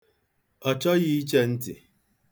Ọ chọghị iche ntị.